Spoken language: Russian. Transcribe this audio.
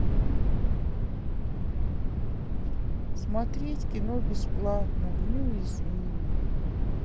смотреть кино бесплатно неуязвимый